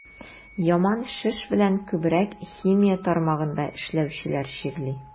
Яман шеш белән күбрәк химия тармагында эшләүчеләр чирли.